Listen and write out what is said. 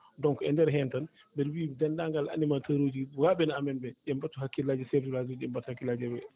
donc e ndeer heen tan mi wii deenndaangal animateur uuji ɗii waaɓe no amen ɓee yo ɓe mbattu hakkillaaji e chef de village uji ɓe mbatta hakkillaji e mumen